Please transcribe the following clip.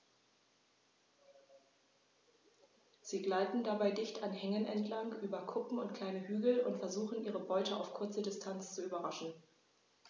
Sie gleiten dabei dicht an Hängen entlang, über Kuppen und kleine Hügel und versuchen ihre Beute auf kurze Distanz zu überraschen.